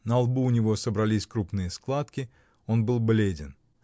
На лбу у него собрались крупные складки; он был бледен.